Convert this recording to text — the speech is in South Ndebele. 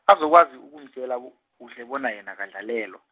azokwazi ukumtjela u- kuhle bona yena akadlalelwa.